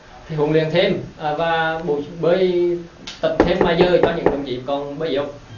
huấn luyện thêm và bổ sung bơi tập thêm ngoài giờ cho những đồng chí còn bơi yếu